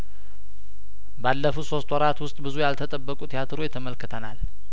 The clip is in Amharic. ባለፉት ሶስት ወራት ውስጥ ብዙ ያልተጠበቁ ቲያትሮች ተመልክተናል